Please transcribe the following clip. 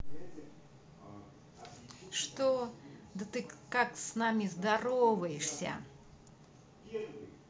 что да ты так с нами не здороваешься